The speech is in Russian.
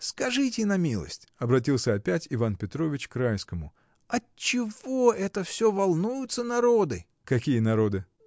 — Скажите на милость, — обратился опять Иван Петрович к Райскому, — отчего это всё волнуются народы? — Какие народы?